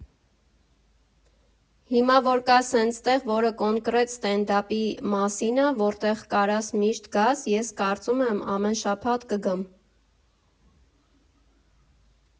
֊ Հիմա որ կա սենց տեղ, որը կոնկրետ ստենդափի մասին ա, որտեղ կարաս միշտ գաս, ես կարծում եմ ամեն շաբաթ կգամ։